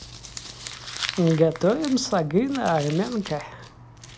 готовим сагына армянка